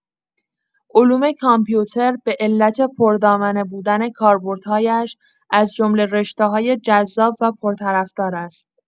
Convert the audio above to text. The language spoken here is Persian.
علوم کامپیوتر به‌علت پردامنه بودن کاربردهایش، از جمله رشته‌های جذاب و پرطرفدار است.